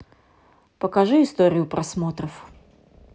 покажи историю просмотров